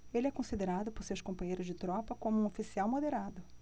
ele é considerado por seus companheiros de tropa como um oficial moderado